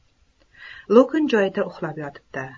lukn joyida uxlab yotibdi